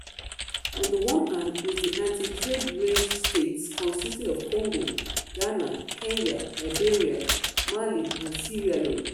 On the one hand is the anti-trade range states consisting of Congo, Ghana, Kenya, Liberia, Mali and Sierra Leone.